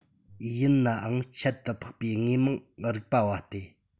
ཡིན ནའང ཁྱད དུ འཕགས པའི དངོས མང རིག པ བ སྟེ